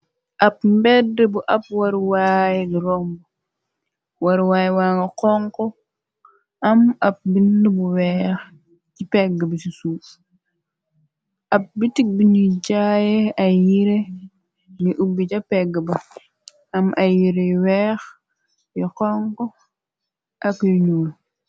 Ab mbede bu ab waruwaay rombu warwaay wanga xonko am ab binde bu weex ci pegg bi ci suuf ab bitik bi ñuy jaaye ay yire nu ubbi ca pegg ba am ay yire y weex yu xonko ak yu ñuul.